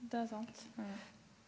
det er sant.